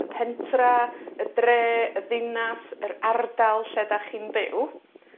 y pentra, y dre, y ddinas, yr ardal lle 'dach chi'n byw,